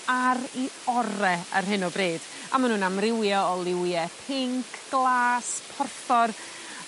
ar 'i ore' ar hyn o bryd a ma' nw'n amrywio o lywiau pinc, glas, porffor